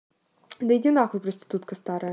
да иди нахуй проститутка старая